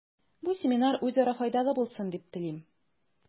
Бу семинар үзара файдалы булсын дип телим.